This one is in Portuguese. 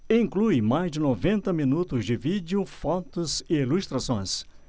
inclui mais de noventa minutos de vídeo fotos e ilustrações